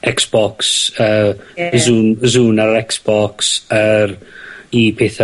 Xbox yy... Ie ie. ar yr Xbox, yy i petha